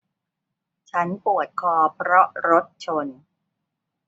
ฉันปวดคอเพราะรถชน